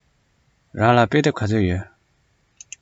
རང ལ དཔེ དེབ ག ཚོད ཡོད